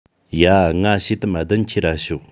ཡ ངའ ཤེལ དམ བདུན ཁྱེར ར ཤོག